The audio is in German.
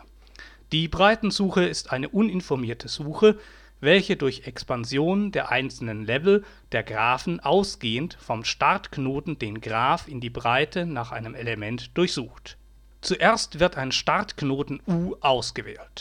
Breitensuche ist eine Uninformierte Suche, welche durch Expansion der einzelnen Level der Graphen ausgehend vom Startknoten den Graph in die Breite nach einem Element durchsucht. Zuerst wird ein Startknoten u ausgewählt